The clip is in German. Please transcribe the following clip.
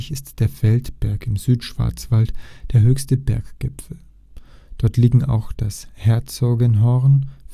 ist der Feldberg im Südschwarzwald der höchste Berggipfel. Dort liegen auch das Herzogenhorn